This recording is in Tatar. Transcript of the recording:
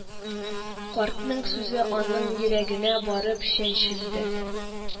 Картның сүзе аның йөрәгенә барып чәнчелде